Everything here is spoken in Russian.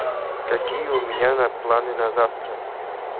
какие у меня планы на завтра